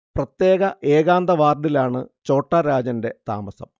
പ്രത്യേക ഏകാന്ത വാർഡിലാണ് ഛോട്ടാ രാജന്റെ താമസം